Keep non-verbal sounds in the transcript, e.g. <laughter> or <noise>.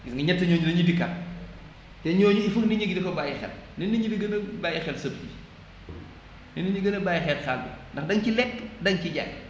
gis nga ñett ñooñu dañuy dikkaat te ñooñu il foog nit ñi di ko bàyyi xel na nit ñi di gën a bàyyi xel sëb yi <noise> na nit ñi gën a bàyyi xel xaal bi ndax dañ ci lekk dañ ci jaay